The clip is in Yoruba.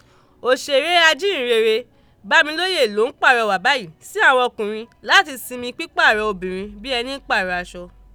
Òṣèré ajíhìnrere Bámilóyè ló ń pàrọwà báyìí sí àwọn ọkùnrin láti sinmi pípààrọ̀ obìnrin bí ẹni pààrọ̀ aṣọ.